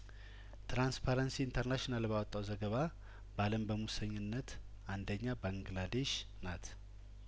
ትራንስፓረንሲ ኢንተርናሽናል ባወጣው ዘገባ በአለም በሙሰኝነት አንደኛ ባንግላዴሽ ናት